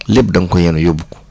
lépp da nga ko yenu yóbbu ko